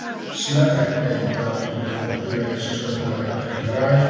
Os na dach chi 'di wneud yn barod i ddiffodd eich meics os gwelwch yn dda, a camerâu.